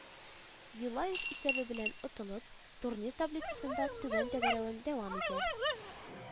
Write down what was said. Юлаев исәбе белән отылып, турнир таблицасында түбән тәгәрәвен дәвам итә